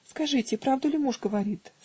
"Скажите, правду ли муж говорит?